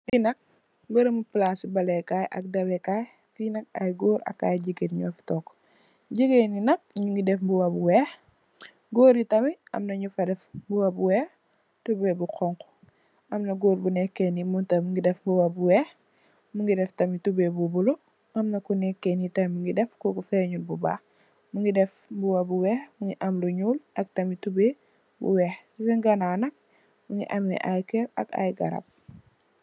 Fee nak meremu plase balekaye ak dawekaye fee nak aye goor ak jegain nufe tonke jegain ye nak nuge def muba bu weex goor ye tamin amna nufa def muba bu weex tubaye bu xonxo amna goor bu neke nee mum tam muge def muba bu weex muge def tamin tubaye bu bulo amna ku neke nee tamin muge def koku fenug bu bakh muge def muba bu weex muge ameh lu nuul ak tamin tubaye bu weex se sen ganaw nak muge ameh aye kerr ak aye garab.